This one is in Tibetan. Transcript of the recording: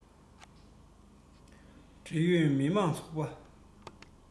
འབྲེལ ཡོད མི དམངས ཚོགས པ